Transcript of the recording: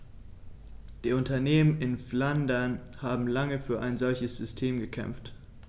Die Unternehmen in Flandern haben lange für ein solches System gekämpft.